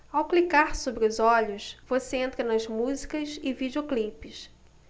ao clicar sobre os olhos você entra nas músicas e videoclipes